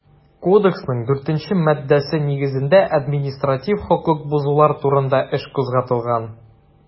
Кодексның 4 нче маддәсе нигезендә административ хокук бозулар турында эш кузгатылган.